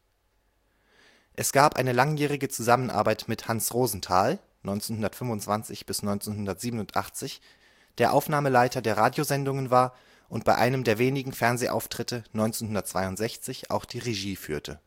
Es gab eine langjährige Zusammenarbeit mit Hans Rosenthal (1925 – 1987), der Aufnahmeleiter der Radiosendungen war und bei einem der wenigen Fernsehauftritte 1962 auch die Regie führte